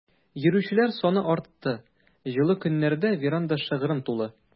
Йөрүчеләр саны артты, җылы көннәрдә веранда шыгрым тулы.